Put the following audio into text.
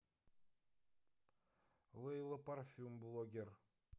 лейла парфюм блогер